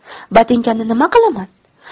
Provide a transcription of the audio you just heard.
botinkani nima qilaman